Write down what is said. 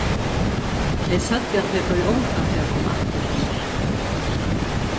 tey søgdu at tey fóru ongantíð at koma aftur her